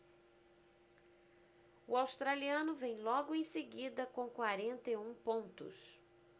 o australiano vem logo em seguida com quarenta e um pontos